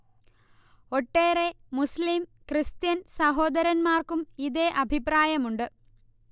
ഒട്ടേറെ മുസ്ളീം കൃസ്ത്യൻ സഹോദരന്മാർക്കും ഇതേ അഭിപ്രായമുണ്ട്